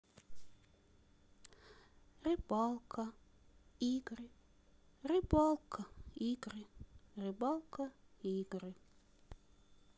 рыбалка игры рыбалка игры рыбалка игры